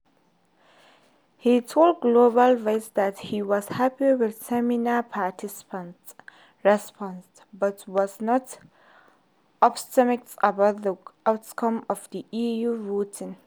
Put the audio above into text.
He told Global Voices that he was happy with seminar participants’ responses, but was not optimistic about the outcome of the EU vote.